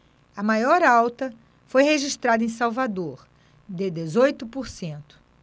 a maior alta foi registrada em salvador de dezoito por cento